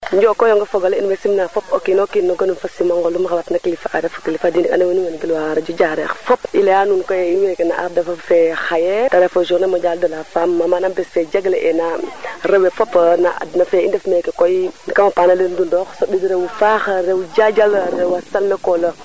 njoko yong o fogole in way simna fop o kino kiin no gonum fo no simangolum rawatina kilifa ada fo kilifa diine ke ando naye den way nan gilwa radio Diarekh FM fop i leya nuun ko ye in weke na ardaba fe xaye te ref journée Mondiale de la femme manam bes fe jagle ena rewe fop na adna fe i ndef meeke koy kama paana le Ndoundokh soɓiid few faax rew jajal rew